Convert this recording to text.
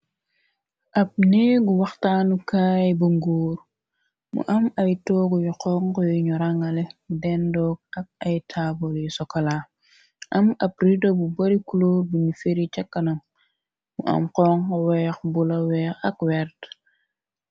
Ab neegu waxtaanukaay bu nguur mu am ay toog yu xong yu ñu rangale dendoog ak ay taabar yu sokola am ab rida bu bari clóor bini firi cakkanam mu am xong weex bu la weex ak werd.